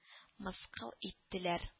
– мыскыл иттеләр